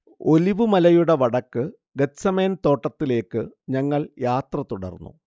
olive മലയുടെ വടക്ക് Gethsemane തോട്ടത്തിലേക്ക് ഞങ്ങൾ യാത്ര തുടർന്നു